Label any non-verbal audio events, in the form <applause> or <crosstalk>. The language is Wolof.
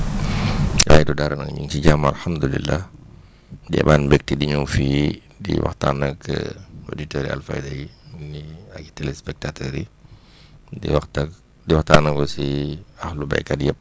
<breath> waaye du dara nag ñu ngi ci jàmm amhamdulilah di amaat mbégte di ñëw fii di waxtaan ak auditeurs i alfayda yi nii ak yu téléspectateurs yi <breath> di wax * di waxtaan ak aussi ahlu béykat yëpp